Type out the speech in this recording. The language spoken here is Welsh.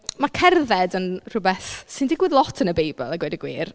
Ma' cerdded yn rhywbeth sy'n digwydd lot yn y Beibl a gweud y gwir.